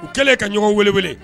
U kɛlen ka ɲɔgɔn weele weele